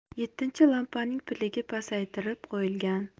yettinchi lampaning piligi pasaytirib qo'yilgan